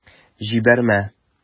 Җибәрмә...